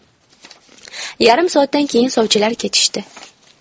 yarim soatdan keyin sovchilar ketishdi